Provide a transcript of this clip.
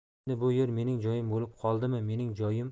endi bu yer mening joyim bo'lib qoldimi mening joyim